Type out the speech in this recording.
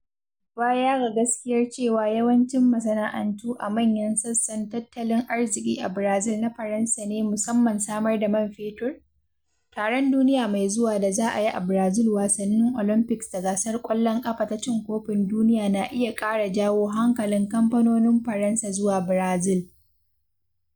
Baya ga gaskiyar cewa yawancin masana'antu a manyan sassan tattalin arziƙi a Barazil na Faransa ne (musamman samar da man fetur), taron duniya mai zuwa da za ayi a Brazil (Wasannin Olympics da Gasar Ƙwallon Ƙafa ta Cin Kofin Duniya) na iya ƙara jawo hankalin kamfanonin Faransa zuwa Barazil.